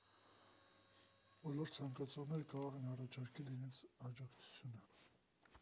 Բոլոր ցանկացողները կարող են առաջարկել իրենց աջակցությունը։